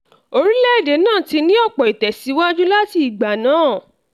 Orílẹ̀-èdè náà ti ní ọ̀pọ̀ ìtẹ̀síwájú láti ìgbà náà.